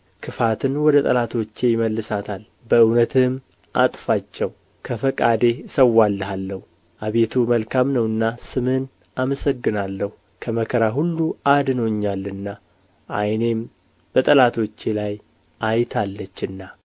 ክፋትን ወደ ጠላቶቼ ይመልሳታል በእውነትህም አጥፋቸው ከፈቃዴ እሠዋልሃለሁ አቤቱ መልካም ነውና ስምህን አመሰግናለሁ ከመከራ ሁሉ አድኖኛልና ዓይኔም በጠላቶቼ ላይ አይታለችና